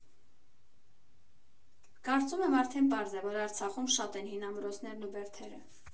Կարծում եմ արդեն պարզ է, որ Արցախում շատ են հին ամրոցներն ու բերդերը։